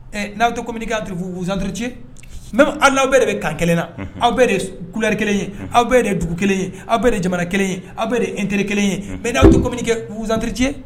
Ɛ n'aw tɛ mini kɛ kanteu wzteriti mɛ ala bɛɛ de bɛ kan kelen na aw bɛɛ deri kelen ye aw bɛɛ de dugu kelen ye aw bɛɛ de jamana kelen ye aw bɛ de n terire kelen ye mɛ da awaw tɛ kɛ wsanzteri cɛ